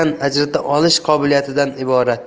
ajrata olish qobiliyatidan iborat